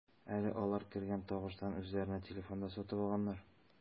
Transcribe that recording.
Әле алар кергән табыштан үзләренә телефон да сатып алганнар.